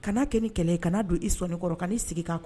Kana kɛ nin kɛlɛ ye kana don i sɔnonikɔrɔ ka sigi kan kɔnɔ